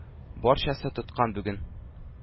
Барчасы тоткын бүген!..